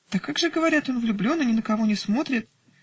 -- Да как же, говорят, он влюблен и ни на кого не смотрит?